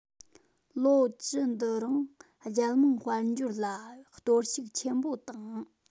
ལོ བཅུ འདི རིང རྒྱལ དམངས དཔལ འབྱོར ལ གཏོར བཤིག ཆེན པོ བཏང